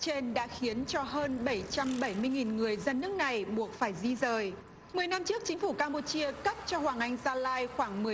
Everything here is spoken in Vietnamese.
trên đã khiến cho hơn bảy trăm bảy mươi nghìn người dân nước này buộc phải di dời mười năm trước chính phủ cam pu chia cắt cho hoàng anh gia lai khoảng mười